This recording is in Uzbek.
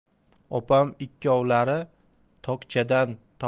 opam ikkovlari tokchadan tovoqlarni